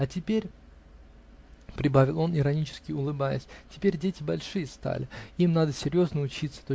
а теперь, -- прибавил он, иронически улыбаясь, -- теперь дети большие стали: им надо серьезно учиться.